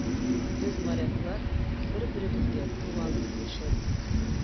Без, моряклар, бер-беребезгә туган, дип дәшәбез.